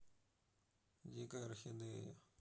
дикая орхидея